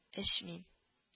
Эчмим